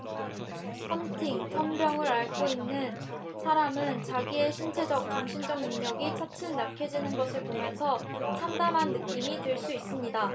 헌팅턴병을 앓고 있는 사람은 자기의 신체적 정신적 능력이 차츰 약해지는 것을 보면서 참담한 느낌이 들 수 있습니다